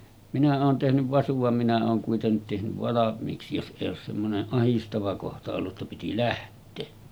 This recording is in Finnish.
minä olen tehnyt vasun vaan minä olen kuitenkin tehnyt valmiiksi jos ei ole semmoinen ahdistava kohta ollut jotta piti lähteä